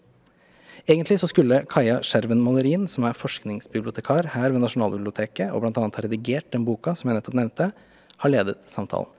egentlig så skulle Kaja Schjerven Mollerin, som er forskningsbibliotekar her ved Nasjonalbiblioteket og bl.a. har redigert den boka som jeg nettopp nevnte, ha ledet samtalen.